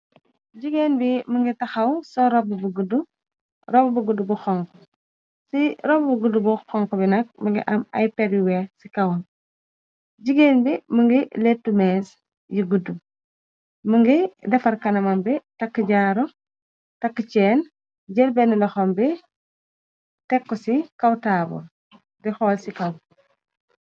Jigéen bi më ngi taxaw sol robbu bu gudu, robbu bu gudu bu xonx. Ci robbu bu gudu bu xonx bi nag, mëngi am ay per yu weex ci kawam. jigéen bi më ngi lettu meez yu guddu, më ngi defar kanamam bi, takk jaaru, takk cheen. Jël benn loxom bi tekko ci kaw taabal, di xool ci kaw.